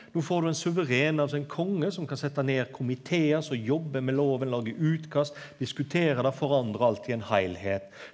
no får du ein suveren altså ein konge som kan setja ned komitear, som jobbar med loven, lagar utkast, diskuterer det, forandrar alt i ein heilskap.